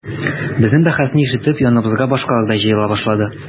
Безнең бәхәсне ишетеп яныбызга башкалар да җыела башлады.